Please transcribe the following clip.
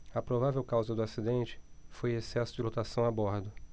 a provável causa do acidente foi excesso de lotação a bordo